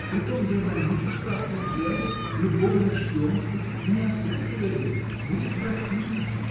Притом я замечу страстные взгляды, любовное шпионство — мне опять надоест, будет противно.